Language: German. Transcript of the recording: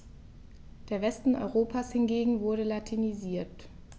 Der Westen Europas hingegen wurde latinisiert.